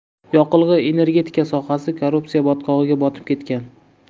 yoqilg'i energetika sohasi korrupsiya botqog'iga botib ketgan